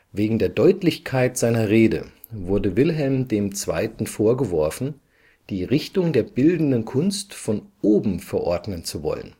Wegen der Deutlichkeit seiner Rede wurde Wilhelm II. vorgeworfen, die Richtung der Bildenden Kunst von oben verordnen zu wollen